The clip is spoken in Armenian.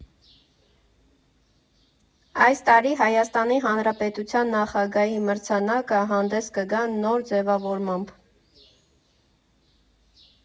Այս տարի Հայաստանի Հանրապետության նախագահի մրցանակը հանդես կգա նոր ձևավորմամբ.